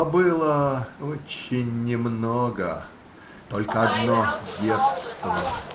А было очень немного: только одно детство.